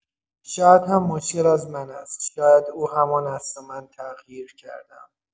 شاید هم مشکل از من است، شاید او همان است و من تغییر کرده‌ام.